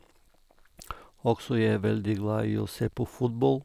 Også, jeg er veldig glad i å se på fotball.